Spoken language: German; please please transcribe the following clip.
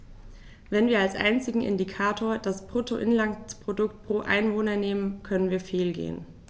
Wenn wir als einzigen Indikator das Bruttoinlandsprodukt pro Einwohner nehmen, können wir fehlgehen.